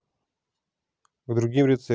к другим рецептам